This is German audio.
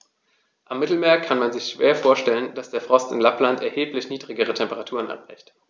Am Mittelmeer kann man sich schwer vorstellen, dass der Frost in Lappland erheblich niedrigere Temperaturen erreicht.